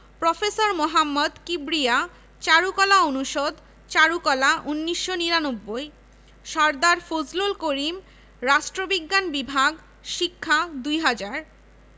শহীদদের স্মরণে উৎসর্গকৃত সন্ত্রাসবিরোধী রাজু ভাস্কর্য যেটি১৯৯৭ সালে নির্মাণ করা হয় বাংলাদেশের মহান মুক্তিযুদ্ধ